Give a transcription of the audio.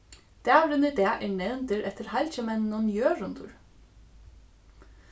dagurin í dag er nevndur eftir halgimenninum jørundur